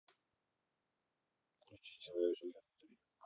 включи человек железный три